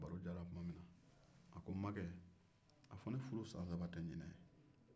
baro jara tuman min na a ko n' makɛ a fɔ ne furu san saba tɛ ɲina ye